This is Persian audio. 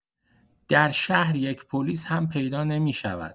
در شهر یک پلیس هم پیدا نمی‌شود.